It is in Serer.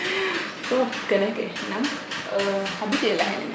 so kene ke nam nxa bilela xene